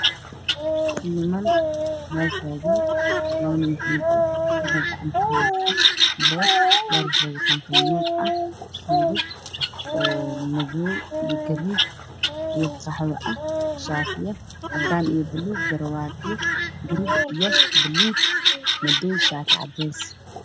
Bishaan waxaa ka muuqda afar nin tendo